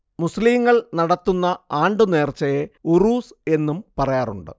മുസ്ലിംകൾ നടത്തുന്ന ആണ്ട് നേർച്ചയെ ഉറൂസ് എന്നും പറയാറുണ്ട്